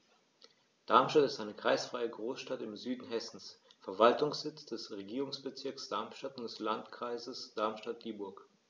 Darmstadt ist eine kreisfreie Großstadt im Süden Hessens, Verwaltungssitz des Regierungsbezirks Darmstadt und des Landkreises Darmstadt-Dieburg.